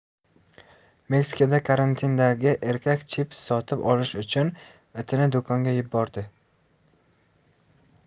meksikada karantindagi erkak chips sotib olish uchun itini do'konga yubordi